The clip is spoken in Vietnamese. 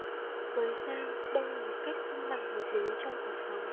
với giang đâu là một cách cân bằng hợp lý trong cuộc sống